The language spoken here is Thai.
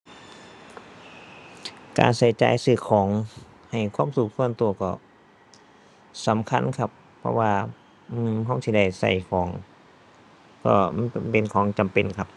การใช้จ่ายซื้อของให้ความสุขส่วนใช้ก็สำคัญครับ เพราะว่า หนึ่งใช้สิได้ใช้ของก็มันเป็น มันเป็นของจำเป็นครับ